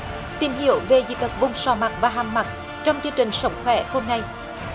tìm hiểu về dị tật vùng sọ mặt và hàm mặt trong chương trình sống khỏe hôm nay